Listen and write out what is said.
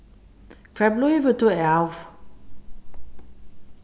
hvar blívur tú av